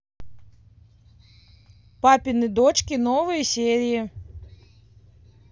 папины дочки новые серии